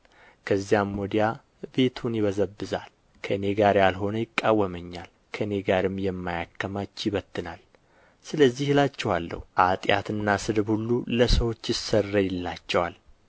ከዚያም ወዲያ ቤቱን ይበዘብዛል ከእኔ ጋር ያልሆነ ይቃወመኛል ከእኔ ጋርም የማያከማች ይበትናል ስለዚህ እላችኋለሁ ኃጢአትና ስድብ ሁሉ ለሰዎች ይሰረይላቸዋል